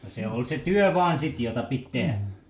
no se oli se työ vain sitten jotta piti tehdä